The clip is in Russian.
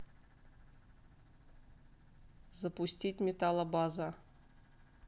запустить металлобаза